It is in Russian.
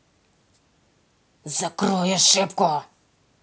закрой ошибку